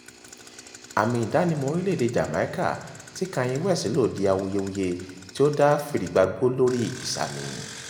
Ààmì ìdánimọ̀ orílẹ̀ èdèe Jamaica tí Kanye West lò di awuyewuye tí ó dá fìrìgbagbòó lórí ìsààmì'